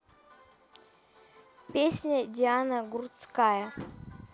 песня диана гурцкая